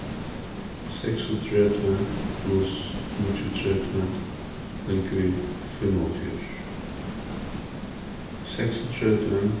seksogtretivu pluss níggjuogtretivu ligvið fimmoghálvfjerðs seksogtretivu